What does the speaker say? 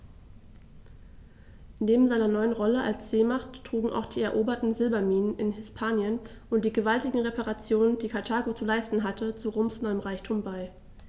Neben seiner neuen Rolle als Seemacht trugen auch die eroberten Silberminen in Hispanien und die gewaltigen Reparationen, die Karthago zu leisten hatte, zu Roms neuem Reichtum bei.